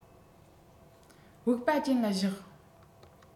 བུག པ ཅན ལ བཞག